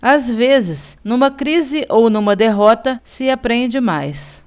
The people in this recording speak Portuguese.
às vezes numa crise ou numa derrota se aprende mais